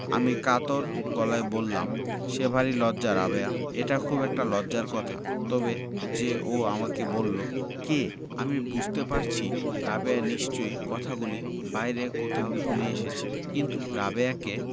আমি কাতর গলায় বললাম সে ভারী লজ্জা রাবেয়া এটা খুব একটা লজ্জার কথা তবে যে ও আমাকে বললো কে আমি বুঝতে পারছি রাবেয়া নিশ্চয়ই কথাগুলি বাইরে কোথাও শুনে এসেছে কিন্তু রাবেয়াকে